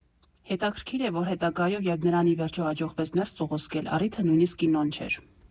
Հետաքրքիր է, որ հետագայում, երբ նրան ի վերջո հաջողվեց ներս սողոսկել, առիթը նույնիսկ կինոն չէր.